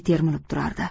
termilib turardi